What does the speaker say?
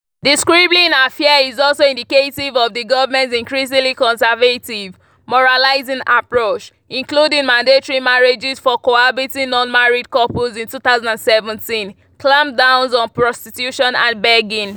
The "scribbling affair" is also indicative of the government’s increasingly conservative, moralizing approach, including mandatory marriages for cohabiting non-married couples in 2017, clampdowns on prostitution and begging.